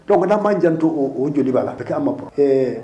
Dɔnkuna k'an janto o joli b'a la a bɛ an ma ɛɛ